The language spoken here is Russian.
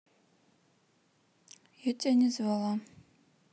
я тебя не звала